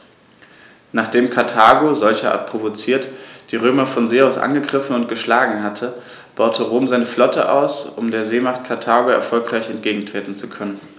Nachdem Karthago, solcherart provoziert, die Römer von See aus angegriffen und geschlagen hatte, baute Rom seine Flotte aus, um der Seemacht Karthago erfolgreich entgegentreten zu können.